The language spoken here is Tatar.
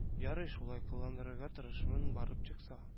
Ярый шулай кыландырырга тырышырмын барып чыкса